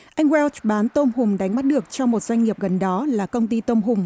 anh geo bán tôm hùm đánh bắt được cho một doanh nghiệp gần đó là công ty tôm hùm